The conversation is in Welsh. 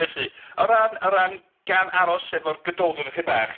Felly o ran o ran... gan aros efo'r Gododdin ychydig bach.